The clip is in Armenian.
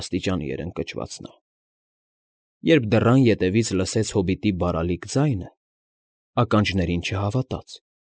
Աստիճանի էր ընկճված նա)։ Երբ դռան ետևից լսեց հոբիտի բարալիկ ձայնը, ականջներին չհավատաց։